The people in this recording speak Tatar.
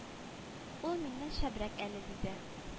Ул миннән шәбрәк әле диде